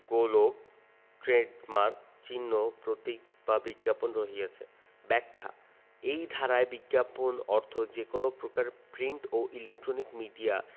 গোলোগ trademark চিহ্ন প্রতীক বা বিজ্ঞাপন রহিয়াছে ব্যাখ্যাঃ এই ধারায় বিজ্ঞাপন অর্থ যে কোন প্রকার প্রিন্ট ও ইলেক্ট্রনিক মিডিয়া